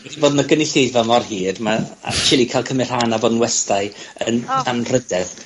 ...wedi od yn y gynulleidfa mor hir ma' actually ca'l cymyd rhan a fod yn westai yn anrhydedd.